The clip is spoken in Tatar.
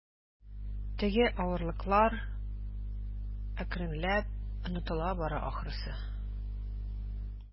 Теге авырлыклар акрынлап онытыла бара, ахрысы.